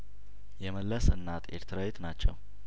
የመለስ እናት ኤርትራዊት ናቸው